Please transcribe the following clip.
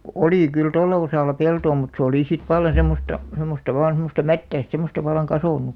oli kyllä tuolla osalla peltoa mutta se oli sitten vallan semmoista semmoista vain semmoista mättäistä semmoista vallan kasvanut